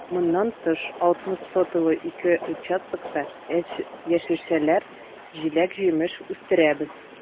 Моннан тыш, 60 сотыйлы ике участокта яшелчәләр, җиләк-җимеш үстерәбез.